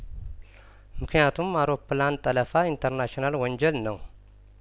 ምክንያቱም አውሮፕላን ጠለፋ ኢንተርናሽናል ወንጀል ነው